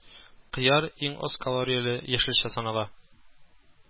Кыяр иң аз калорияле яшелчә санала